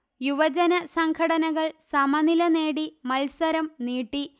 യുവജന സംഘടനകൾ സമനില നേടി മത്സരം നീട്ടി